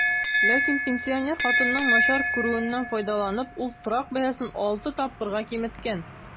Ләкин, пенсинер хатынның начар күрүеннән файдаланып, ул торак бәясен алты тапкырга киметкән.